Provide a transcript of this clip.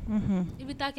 Un i bɛ taa kɛ